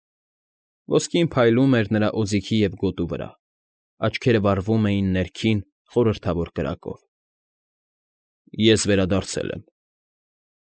Ոսկին փայլում էր նրա օձիքի ու գոտու վրա, աչքերը վառվում էին ներքին, խորհրդավոր կրակով։֊ Ես վերադարձել եմ։